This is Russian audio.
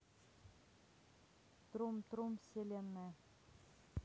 трум трум вселенная